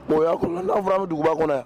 Bonya n'aw f fɔ a bɛ duguba kɔnɔ